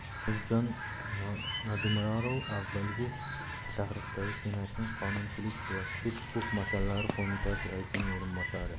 tolibjon madumarov avvalgi chaqiriqdagi senatning qonunchilik va sud huquq masalalari qo'mitasi raisining o'rinbosari